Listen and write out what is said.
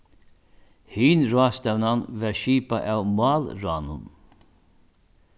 hin ráðstevnan var skipað av málráðnum